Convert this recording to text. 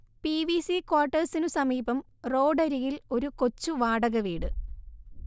P V C ക്വാർട്ടേഴ്സിന് സമീപം റോഡരികിൽ ഒരു കൊച്ചുവാടകവീട്